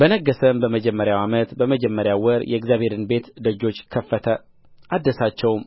በነገሠም በመጀመሪያው ዓመት በመጀመሪያው ወር የእግዚአብሔርን ቤት ደጆች ከፈተ አደሳቸውም